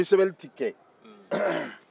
sɛbɛnni tɛ kɛ